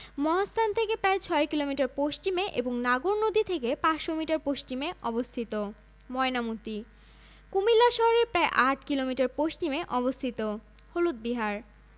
মহাস্থান থেকে প্রায় ৬ কিলোমিটার পশ্চিমে এবং নাগর নদী থেকে ৫০০ মিটার পশ্চিমে অবস্থিত ময়নামতি কুমিল্লা শহরের প্রায় ৮ কিলোমিটার পশ্চিমে অবস্থিত হলুদ বিহার